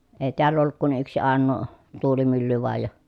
ei täällä ollut kuin yksi ainoa tuulimylly vain ja